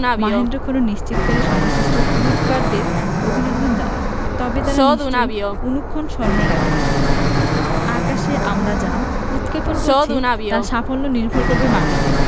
মাহেন্দ্রক্ষণ নিশ্চিতকারী সংশ্লিষ্ট রূপকারদের অভিনন্দন জানাই তবে তাঁরা নিশ্চয় অনুক্ষণ স্মরণে রাখবেন আকাশে আমরা যা উৎক্ষেপণ করেছি তার সাফল্য নির্ভর করবে মাটিতে